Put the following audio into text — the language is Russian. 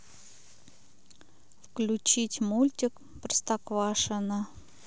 включить мультик простоквашино